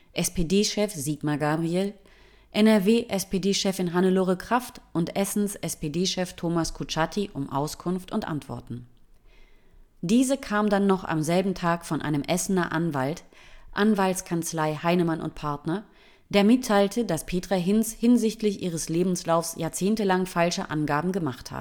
SPD-Chef Sigmar Gabriel, NRW-SPD-Chefin Hannelore Kraft und Essens SPD-Chef Thomas Kutschaty um Auskunft und Antworten. Diese kam dann noch am selben Tag von einem Essener Anwalt (Anwaltskanzlei Heinemann & Partner), der mitteilte, dass Petra Hinz hinsichtlich ihres Lebenslaufs jahrzehntelang falsche Angaben gemacht